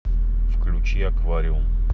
включи аквариум